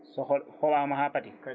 so yooɓama ha paari